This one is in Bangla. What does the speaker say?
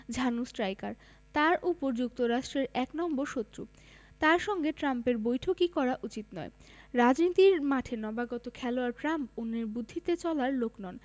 ঝানু স্ট্রাইকার তার ওপর যুক্তরাষ্ট্রের এক নম্বর শত্রু তাঁর সঙ্গে ট্রাম্পের বৈঠকই করা উচিত নয় রাজনীতির মাঠের নবাগত খেলোয়াড় ট্রাম্প অন্যের বুদ্ধিতে চলার লোক নন